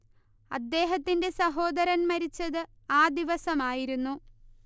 അദ്ദേഹത്തിന്റെ സഹോദരൻ മരിച്ചത് ആ ദിവസമായിരുന്നു